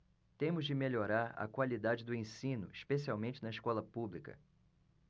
temos de melhorar a qualidade do ensino especialmente na escola pública